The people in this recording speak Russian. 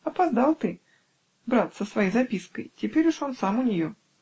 Опоздал ты, брат, с твоей запиской; теперь уж он сам у нее".